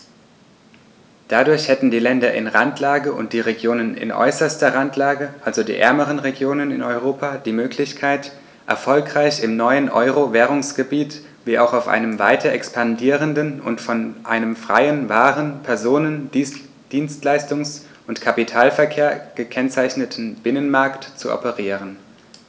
Dadurch hätten die Länder in Randlage und die Regionen in äußerster Randlage, also die ärmeren Regionen in Europa, die Möglichkeit, erfolgreich im neuen Euro-Währungsgebiet wie auch auf einem weiter expandierenden und von einem freien Waren-, Personen-, Dienstleistungs- und Kapitalverkehr gekennzeichneten Binnenmarkt zu operieren.